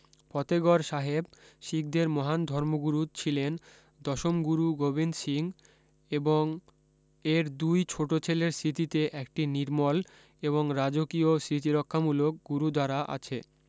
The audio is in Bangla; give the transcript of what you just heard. ফতেগড় সাহেব শিখদের মহান ধর্মগুরু ছিলেন দশম গুরু গোবিন্দ সিং এর দুই ছোট ছেলের স্মৃতিতে একটি নির্মল এবং রাজকীয় স্মৃতিরক্ষামূলক গুরুদ্বারা আছে